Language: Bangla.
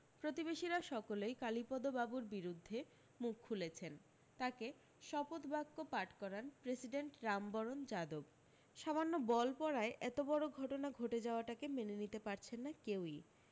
প্রতিবেশীরা সকলেই কালীপদ বাবুর বিরুদ্ধে মুখ খুলেছেন তাঁকে শপথবাক্য পাঠ করান প্রেসিডেন্ট রামবরণ যাদব সামান্য বল পড়ায় এত বড় ঘটনা ঘটে যাওয়াটাকে মেনে নিতে পারছেন না কেউই